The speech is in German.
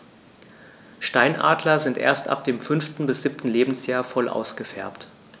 Steinadler sind erst ab dem 5. bis 7. Lebensjahr voll ausgefärbt.